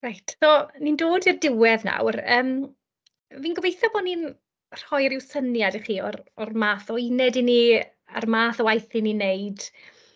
Reit, so ni'n dod i'r diwedd nawr. Yym, fi'n gobeitho bod ni'n rhoi ryw syniad i chi o'r o'r math o uned 'y ni, a'r math o waith 'yn ni'n wneud.